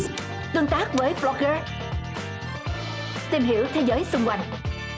tương tác với bờ lóc gơ tìm hiểu thế giới xung quanh